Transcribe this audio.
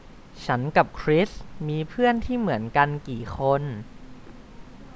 ฉันกับคริสมีเพื่อนที่เหมือนกันกี่คน